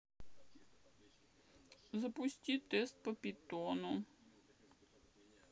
запусти тест по питону